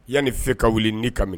Yanni feu ka wuli ni ka minɛ